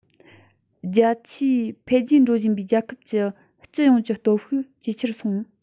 རྒྱ ཆེའི འཕེལ རྒྱས འགྲོ བཞིན པའི རྒྱལ ཁབ ཀྱི སྤྱི ཡོངས ཀྱི སྟོབས ཤུགས ཇེ ཆེར སོང